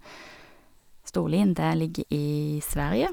Storlien, det ligger i Sverige.